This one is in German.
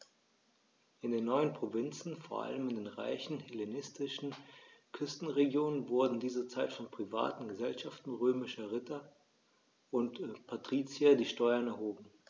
In den neuen Provinzen, vor allem in den reichen hellenistischen Küstenregionen, wurden in dieser Zeit von privaten „Gesellschaften“ römischer Ritter und Patrizier die Steuern erhoben.